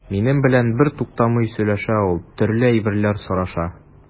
Минем белән бертуктамый сөйләшә ул, төрле әйберләр сораша.